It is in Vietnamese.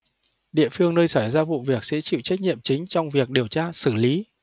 địa phương nơi xảy ra vụ việc sẽ chịu trách nhiệm chính trong việc điều tra xử lý